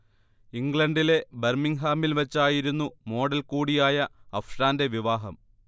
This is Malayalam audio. ഇംഗ്ലണ്ടിലെ ബർമിങ്ഹാമിൽ വെച്ചായിരുന്നു മോഡൽ കൂടിയായ അഫ്ഷാന്റെ വിവാഹം